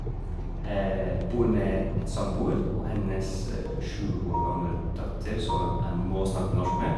Bor med en samboer og hennes sju år gammel datter som æ jeg må snakke norsk med.